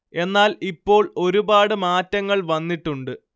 എന്നാൽ ഇപ്പോൾ ഒരുപാട് മാറ്റങ്ങൾ വന്നിട്ടുണ്ട്